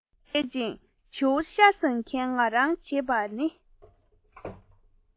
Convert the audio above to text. ཁོ བྱེད ཅིང བྱིའུ ཤ ཟ མཁན ང རང བྱེད པ ནི